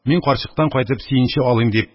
Мин карчыктан кайтып сөенче алыйм», – дип,